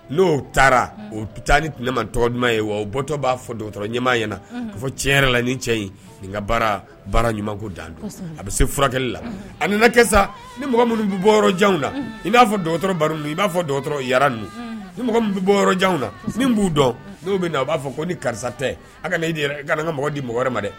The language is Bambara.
N'o taara o bi taa ni man duman ye wa bɔtɔ b'a fɔ ɲɛmaa ɲɛna na fɔ cɛ yɛrɛ la ni cɛ in nin ka baara baara ɲuman ko dan a bɛ se furakɛli la a nana kɛ sa ni mɔgɔ minnu bɛ bɔjan na i b'a fɔ baro i b'a fɔ dɔgɔtɔrɔ ni minnu bɛ bɔjanw na b'u dɔn n' bɛ na u b'a fɔ ko ni karisa tɛ a kana i ka ka mɔgɔ di mɔgɔ wɛrɛ ma dɛ